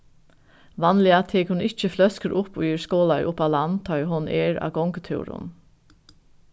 vanliga tekur hon ikki fløskur upp ið eru skolaðar upp á land tá hon er á gongutúrum